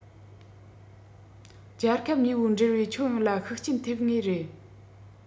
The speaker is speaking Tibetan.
རྒྱལ ཁབ གཉིས པོའི འབྲེལ བའི ཁྱོན ཡོངས ལ ཤུགས རྐྱེན ཐེབས ངེས རེད